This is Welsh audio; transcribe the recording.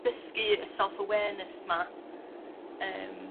dysgu y self awareness 'ma yym...